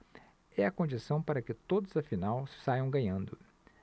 é a condição para que todos afinal saiam ganhando